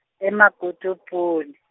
e- Makotopong.